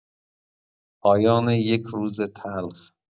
پایان یک روز تلخ